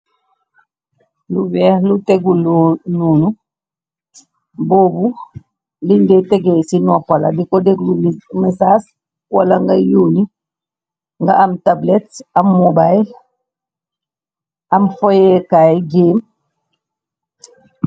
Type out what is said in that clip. Lu weex lu tegulunuunu boobu lingay tegéey ci noppala di ko déglu mésas wala nga yuuni nga am tablet am mobile am foyékaay géem.